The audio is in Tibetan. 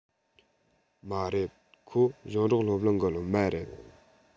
མ རེད ཁོ ཞིང འབྲོག སློབ གླིང གི སློབ མ རེད